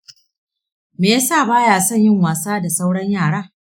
me yasa baya son yin wasa da sauran yara?